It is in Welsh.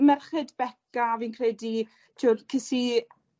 Merched Beca fi'n credu t'wod, ces i